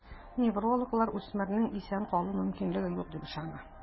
Неврологлар үсмернең исән калу мөмкинлеге юк диеп ышана.